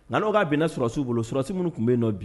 N ka binna susiw bolo susi minnu tun bɛ yen nɔ bi